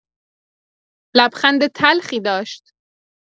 لبخند تلخی داشت.